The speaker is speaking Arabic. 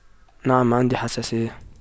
نعم عندي حساسية